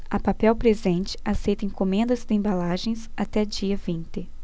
a papel presente aceita encomendas de embalagens até dia vinte